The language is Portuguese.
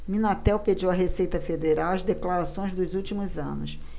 minatel pediu à receita federal as declarações dos últimos anos